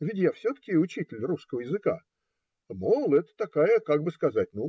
Ведь я все-таки учитель русского языка. Мол - это такая. как бы сказать.